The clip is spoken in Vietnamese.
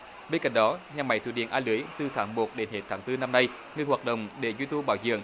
bên cạnh đó nhà máy thủy điện a lưới từ tháng một đến hết tháng tư năm nay ngừng hoạt động để duy tu bảo dưỡng